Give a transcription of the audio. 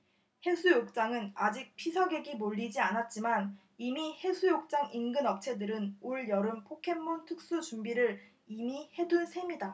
해수욕장은 아직 피서객이 몰리지 않았지만 이미 해수욕장 인근 업체들은 올 여름 포켓몬 특수 준비를 이미 해둔 셈이다